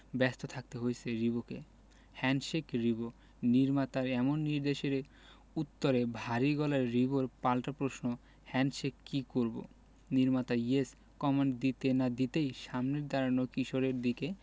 ব্যস্ত থাকতে হয়েছে রিবোকে হ্যান্ডশেক রিবো নির্মাতার এমন নির্দেশের উত্তরে ভারী গলায় রিবোর পাল্টা প্রশ্ন হ্যান্ডশেক কি করবো নির্মাতা ইয়েস কমান্ড দিতে না দিতেই সামনের দাঁড়ানো কিশোরের দিকে